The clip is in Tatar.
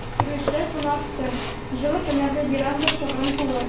Йөрүчеләр саны артты, җылы көннәрдә веранда шыгрым тулы.